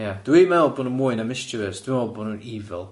Ie dwi'n meddwl bod nhw'n mwy na mischievous dwi'n meddwl bod nhw'n evil.